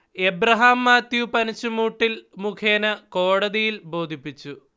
ഏബ്രഹാം മാത്യു പനച്ചമൂട്ടിൽ മുഖേനെ കോടതിയിൽ ബോധിപ്പിച്ചു